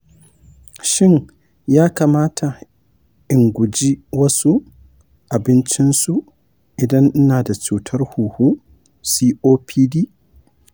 shin ya kamata in guji wasu abincinsu idan ina da cutar huhu copd?